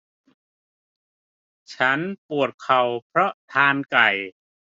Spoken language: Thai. ฉันปวดเข่าเพราะทานไก่